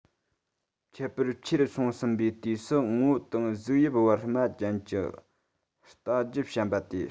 ཁྱད པར ཆེ རུ སོང ཟིན པའི དུས སུ ངོ བོ དང གཟུགས དབྱིབས བར མ ཅན གྱི རྟ རྒྱུད ཞན པ སྟེ